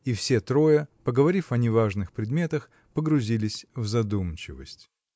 И все трое, поговорив о неважных предметах, погрузились в задумчивость.